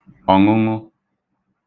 ọ̀ṅụṅụ